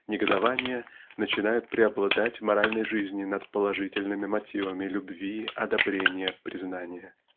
негодования начинают преобладать в моральной жизни над положительными мотивами любви одобрения признания.